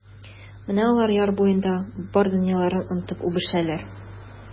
Менә алар яр буенда бар дөньяларын онытып үбешәләр.